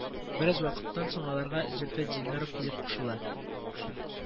Бераз вакыттан соң аларга Зөлфәт Зиннуров килеп кушыла